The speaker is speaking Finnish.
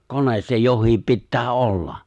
kone se jokin pitää olla